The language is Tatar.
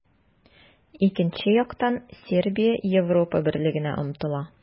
Икенче яктан, Сербия Европа Берлегенә омтыла.